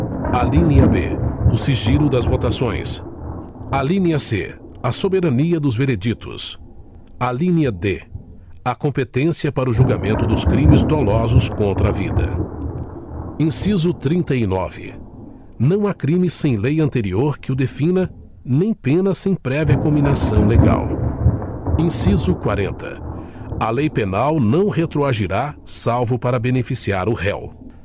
alínea b o sigilo das votações alínea c a soberania dos veredictos alínea d a competência para o julgamento dos crimes dolosos contra a vida inciso trinta e nove não há crime sem lei anterior que o defina nem pena sem prévia cominação legal inciso quarenta a lei penal não retroagirá salvo para beneficiar o réu